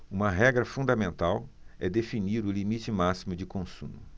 uma regra fundamental é definir um limite máximo de consumo